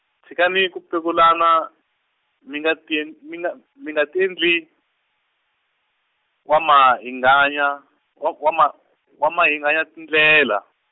tshikani ku pekulana, mi nga tien- mi nga, mi nga tiendli, wamahingakanya, wa wama- wamahingakanya tindlela.